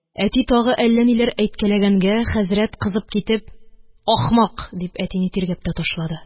Әти тагы әллә ниләр әйткәләгәнгә, хәзрәт, кызып китеп, ахмак, дип, әтине тиргәп тә ташлады.